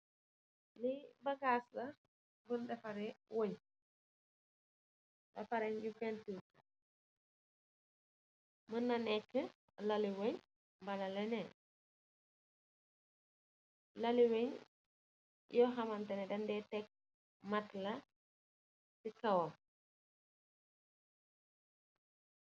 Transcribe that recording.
Lii bagaas la buñ defaree weeñ, ba pare ñu peentir cu. Mun na neekë lal i,weñ wala kenen. Lal i weñ yoo xam ne dañ Dee Tek matla si kowam.